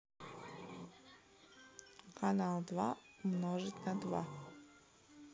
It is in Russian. канал два умножить на два